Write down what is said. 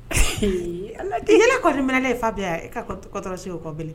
Hinɛ kɔni minɛla ye fa yan e ka kɔtɔ se'o kɔb